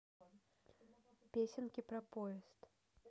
песенки про поезд